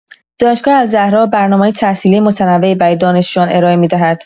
دانشگاه الزهراء برنامه‌‌های تحصیلی متنوعی برای دانشجویان ارائه می‌دهد.